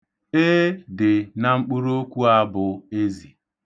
'E' dị na mkpụrụokwu a bụ 'Ezi'.